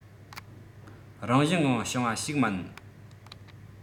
རང བཞིན ངང བྱུང བ ཞིག མིན